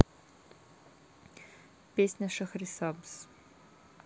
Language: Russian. песня шахрисабз